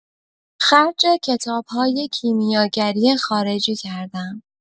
خرج کتاب‌های کیمیاگری خارجی کردم.